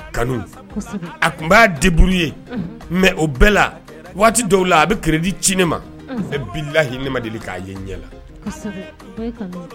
Kanu a tun'a deburu ye mɛ o bɛɛ la waati dɔw la a bɛ kidi ci ne ma a bilahima deli k'a ye ɲɛla